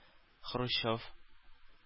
Хрущев